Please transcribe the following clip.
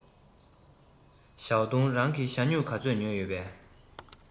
ཞའོ ཏུང རང གིས ཞྭ སྨྱུག ག ཚོད ཉོས ཡོད པས